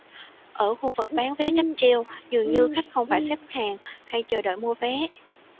ở khu vực bán vé cáp treo dường như khách không phải xếp hàng hay chờ đợi mua vé